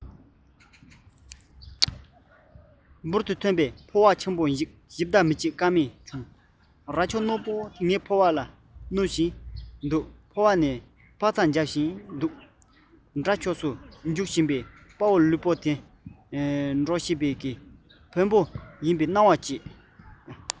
འབུར དུ ཐོན པའི ཕོ བ ཆེན པོ ཞིབ ལྟ ཞིག མི བྱེད ཀ མེད བྱུང རྭ ཅོ རྣོན པོས ངའི ཕོ བ ལ བསྣུན བཞིན འདུག ཕོ བ ན འཕག འཚག རྒྱག བཞིན འདུག དགྲ ཕྱོགས སུ རྒྱུག བཞིན པའི དཔའ བོ ལུས པོ འདི འགྲོ ཤེས པའི བེམ པོ ཡིན པའི སྣང བ སྐྱེས